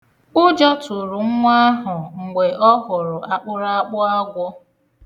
Ụjọ tụrụ nwa ahụ mgbe ọ hụrụ akpụraakpụ agwọ.